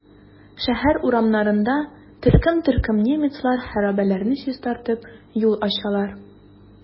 Шәһәр урамнарында төркем-төркем немецлар хәрабәләрне чистартып, юл ачалар.